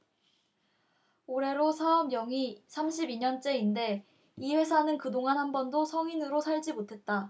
올해로 사업 영위 삼십 이 년째인데 이 회사는 그동안 한 번도 성인으로 살지 못했다